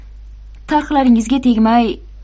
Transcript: tarhlaringizga tegmay